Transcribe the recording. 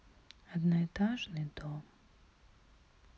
одноэтажный дом